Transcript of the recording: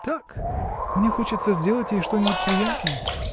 — Так, мне хочется сделать ей что-нибудь приятное.